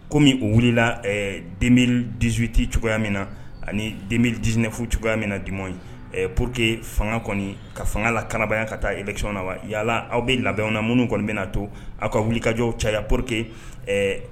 Comme u wilila ɛɛ 2018 cogoyaya min na ani 2019 cogoya min na du moins ɛɛ pour que fanga kɔnni ,ka fanga lakarabaya ka taa élection la wa yalala aw bɛ labɛn na minnu kɔnni bɛna na to aw ka wili kajɔw caya pour que ɛɛ